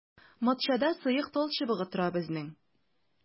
Матчада сыек талчыбыгы тора безнең.